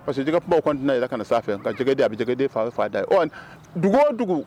Parce que jɛkɛkuma kɔni tɛ na ka fɛ nga bɛjɛden a bi jɛgɛden fan bɛɛ da. Ɔn dugu o dugu